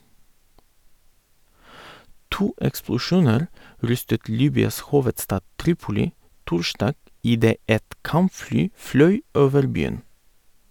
To eksplosjoner rystet Libyas hovedstad Tripoli torsdag idet et kampfly fløy over byen.